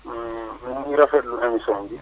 ñu ngi rafetlu émission bi